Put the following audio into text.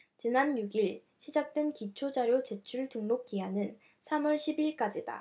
지난 육 일 시작된 기초자료 제출 등록 기한은 삼 월 십 일까지다